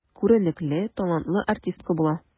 Күренекле, талантлы артистка була.